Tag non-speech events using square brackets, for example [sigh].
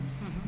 [hesitation] [hesitation]